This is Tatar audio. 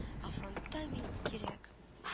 Ә фронтта мин кирәк